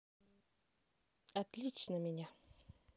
отлично меня